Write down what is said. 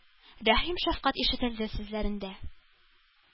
Рәхим, шәфкать ишетелде сүзләрендә.